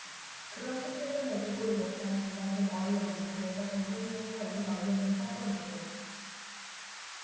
그런 숙제도 내주고 이랬던 정말 좀 어이없는 그래서 전국민이 털린 어이없는 사건이죠